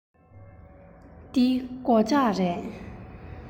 འདི སྒོ ལྕགས རེད